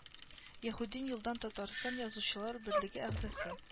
Яһудин елдан татарстан язучылар берлеге әгъзасы